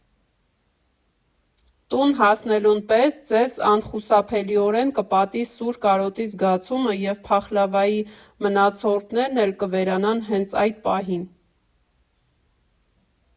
Տուն հասնելուն պես ձեզ անխուսափելիորեն կպատի սուր կարոտի զգացումը և փախլավայի մնացորդներն էլ կվերանան հենց այդ պահին։